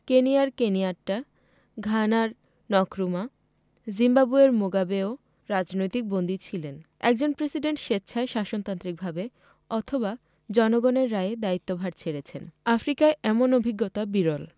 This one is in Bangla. কেনিয়ার কেনিয়াট্টা ঘানার নক্রুমা জিম্বাবুয়ের মুগাবেও রাজনৈতিক বন্দী ছিলেন একজন প্রেসিডেন্ট স্বেচ্ছায় শাসনতান্ত্রিকভাবে অথবা জনগণের রায়ে দায়িত্বভার ছেড়েছেন আফ্রিকায় এমন অভিজ্ঞতা বিরল